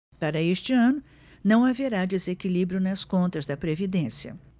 para este ano não haverá desequilíbrio nas contas da previdência